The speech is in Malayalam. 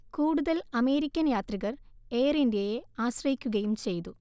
കൂടുതൽ അമേരിക്കൻ യാത്രികർ എയർഇന്ത്യയെ ആശ്രയിക്കുകയും ചെയതു